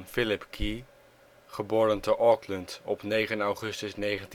Phillip Key (Auckland, 9 augustus 1961